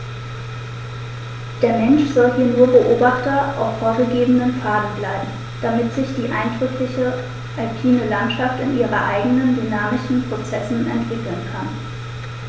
Der Mensch soll hier nur Beobachter auf vorgegebenen Pfaden bleiben, damit sich die eindrückliche alpine Landschaft in ihren eigenen dynamischen Prozessen entwickeln kann.